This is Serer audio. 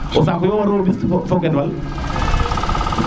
o saaku war uno mbis fo gen wal